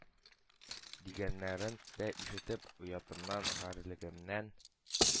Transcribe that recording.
— дигәннәрен дә ишетеп, оятымнан, гарьлегемнән